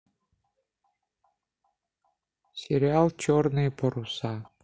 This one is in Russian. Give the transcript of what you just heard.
сериал черные паруса